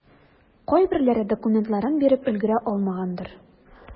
Кайберләре документларын биреп өлгерә алмагандыр.